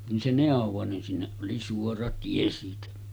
niin se neuvoi niin sinne oli suora tie siitä